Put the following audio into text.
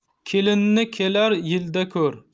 kelinni kelar yilda ko'r